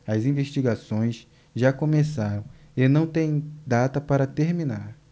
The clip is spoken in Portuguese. as investigações já começaram e não têm data para terminar